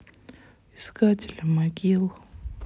искатели могил